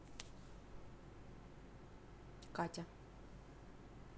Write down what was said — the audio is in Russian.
катя